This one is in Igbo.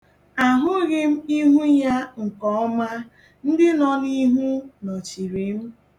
A hụghị m ihu ya nkeọma, ndị nọ n'ihu nọchiri m.